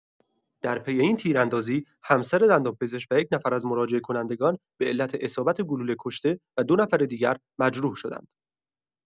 در پی این تیراندازی همسر دندانپزشک و یک نفر از مراجعه‌کنندگان به‌علت اصابت گلوله کشته و دو نفر دیگر مجروح شدند.